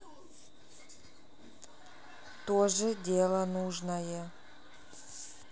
тоже дело нужное